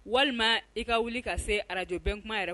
Walimaa i ka wuli ka se Radio Benkuma yɛrɛ